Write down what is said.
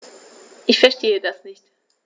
Ich verstehe das nicht.